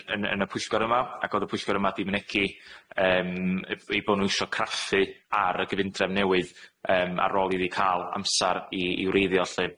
yn- yn y y pwyllgor yma. Ac o'dd y pwyllgor yma 'di mynegi yym eu- 'i bo' nw isio craffu ar y gyfundrefn newydd yym ar ôl iddi ca'l amsar i i wreiddio lly.